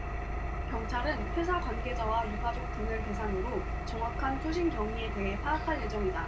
경찰은 회사 관계자와 유가족 등을 대상으로 정확한 투신 경위에 대해 파악할 예정이다